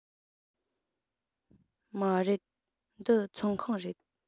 མ རེད འདི ཚོང ཁང རེད